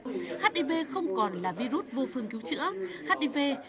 hắt i vê không còn là vi rút vô phương cứu chữa hắt i vê